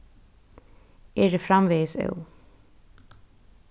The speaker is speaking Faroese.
eg eri framvegis óð